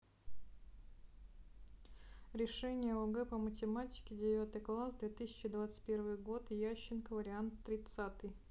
решение огэ по математике девятый класс две тысячи двадцать первый год ященко вариант тридцатый